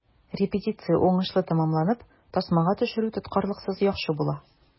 Репетиция уңышлы тәмамланып, тасмага төшерү тоткарлыксыз яхшы була.